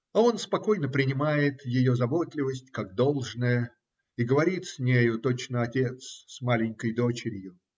а он спокойно принимает ее заботливость, как должное, и говорит с нею, точно отец с маленькой дочерью.